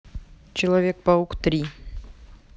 человек паук три